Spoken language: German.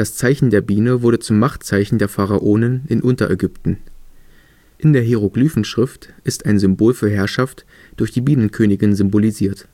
Zeichen der Biene wurde zum Machtzeichen der Pharaonen in Unterägypten. In der Hieroglyphenschrift ist ein Symbol für Herrschaft durch die Bienenkönigin symbolisiert